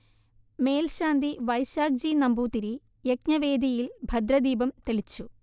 മേൽശാന്തി വൈശാഖ് ജി നമ്പൂതിരി യജ്ഞവേദിയിൽ ഭദ്രദീപം തെളിച്ചു